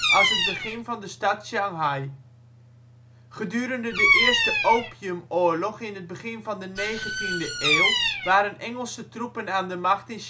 als het begin van de stad Shanghai. Gedurende de eerste Opiumoorlog in het begin van de 19e eeuw waren Engelse troepen aan de macht in